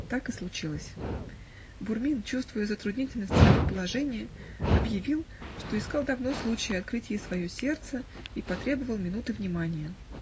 Так и случилось: Бурмин, чувствуя затруднительность своего положения, объявил, что искал давно случая открыть ей свое сердце, и потребовал минуты внимания.